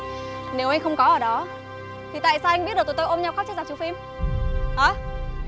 nếu anh không có ở đó thì tại sao anh biết được tụi tôi ôm nhau khóc trước rạp chiếu phim hả